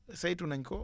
saytu nañ ko